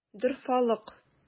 Дорфалык!